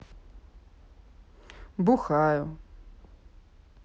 бухаю